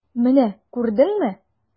Менә күрдеңме!